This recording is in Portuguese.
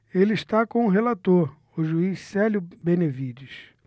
ele está com o relator o juiz célio benevides